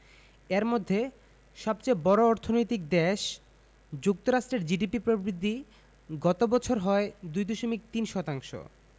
এর মধ্যে সবচেয়ে বড় অর্থনৈতিক দেশ যুক্তরাষ্ট্রের জিডিপি প্রবৃদ্ধি গত বছর হয় ২.৩ শতাংশ